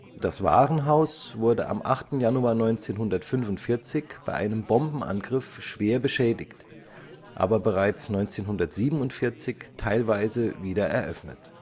Das Warenhaus wurde am 8. Januar 1945 bei einem Bombenangriff schwer beschädigt, aber bereits 1947 teilweise wieder eröffnet